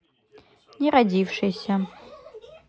не родившийся